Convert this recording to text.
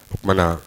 Oumana